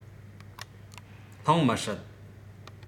ལྷུང མི སྲིད